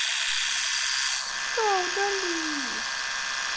все удали